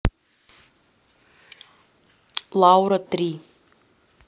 лаура три